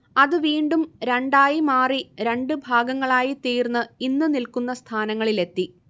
അത് വീണ്ടും രണ്ടായി മാറി രണ്ട് ഭാഗങ്ങളായി തീർന്ന് ഇന്ന് നിൽക്കുന്ന സ്ഥാനങ്ങളിലെത്തി